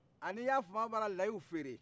ani n' ya faamuya b'a la layiw feere